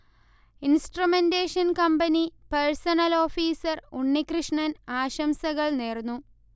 instrumentation company personnel officer Unnikrishnan ആശംസകൾ നേർന്നു